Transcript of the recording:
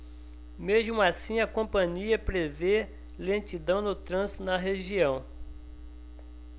mesmo assim a companhia prevê lentidão no trânsito na região